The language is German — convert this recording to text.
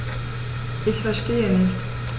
Ich verstehe nicht.